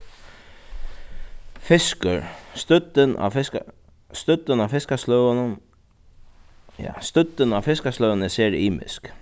fiskur støddin á fiska støddin á fiskasløgunum ja støddin á fiskasløgunum er sera ymisk